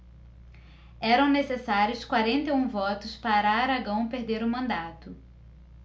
eram necessários quarenta e um votos para aragão perder o mandato